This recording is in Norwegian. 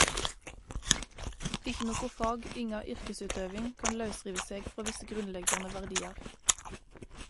Ikkje noko fag, inga yrkesutøving, kan lausrive seg frå visse grunnleggjande verdiar.